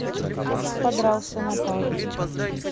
подрался на пару